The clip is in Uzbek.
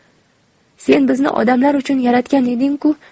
sen bizni odamlar uchun yaratgan eding ku